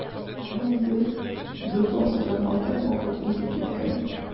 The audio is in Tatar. Моңа инде дүрт гасырдан артык вакыт узып киткән.